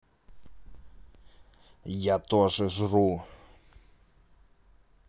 я тоже жру